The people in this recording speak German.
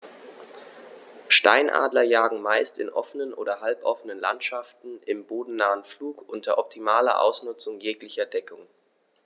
Steinadler jagen meist in offenen oder halboffenen Landschaften im bodennahen Flug unter optimaler Ausnutzung jeglicher Deckung.